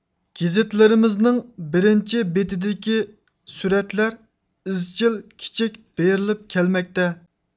گېزىتلىرىمىزنىڭ بىرىنچى بېتىدىكى سۈرەتلەر ئىزچىل كىچىك بېرىلىپ كەلمەكتە